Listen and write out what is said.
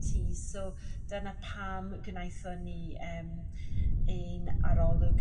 tŷ so dyna pam gwnaethon ni eem un arolwg